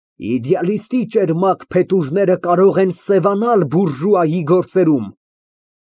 Իդեալիստի ճերմակ փետուրները կարող են սևանալ բուրժուայի գործերում։